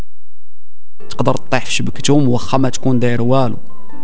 ابو الطفش بتجون وخمه